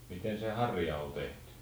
miten se harja oli tehty